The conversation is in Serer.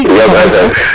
jam som kay